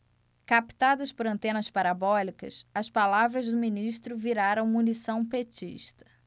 captadas por antenas parabólicas as palavras do ministro viraram munição petista